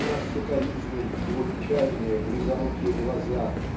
на нас с укоризной его печальные близорукие глаза